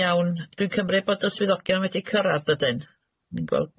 Iawn dwi'n cymryd bod y swyddogion wedi cyrradd dydyn?